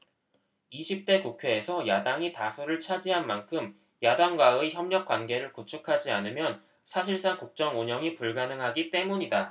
이십 대 국회에서 야당이 다수를 차지한 만큼 야당과의 협력관계를 구축하지 않으면 사실상 국정 운영이 불가능하기 때문이다